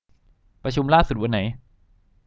ประชุมล่าสุดวันไหน